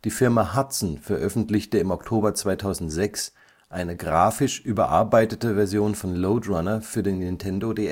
Firma Hudson veröffentlichte im Oktober 2006 eine grafisch überarbeitete Version von Lode Runner für den Nintendo DS